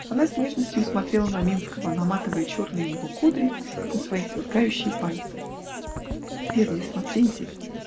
Она с нежностью смотрела на Минского, наматывая черные его кудри на свои сверкающие пальцы. Бедный смотритель!